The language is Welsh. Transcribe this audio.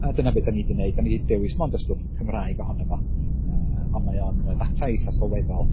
A dyna be dan ni 'di wneud, dan ni 'di dewis mond y stwff Cymraeg ohono fo yy ond mae o'n ddata eitha sylweddol.